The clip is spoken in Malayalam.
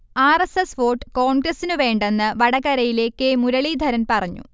ആർ. എസ്. എസ്. വോട്ട് കോൺഗ്രസിന് വേണ്ടെന്ന് വടകരയിലെ കെ. മുരളീധരൻ പറഞ്ഞു